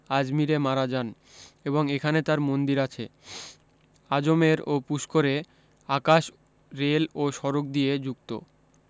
আজমীরে মারা যান এবং এখানে তার মন্দির আছে আজমের ও পুস্করে আকাশ রেল ও সড়ক দিয়ে যুক্ত